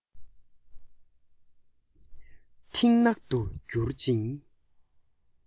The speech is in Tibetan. མཐིང ནག ཏུ གྱུར ཅིང